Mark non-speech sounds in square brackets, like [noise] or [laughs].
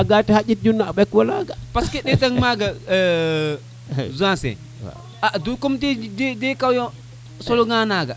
maga xaƴitu a ɓekwa laga [laughs] parce que ndetan maga Zancier a de kayo o sola nga naga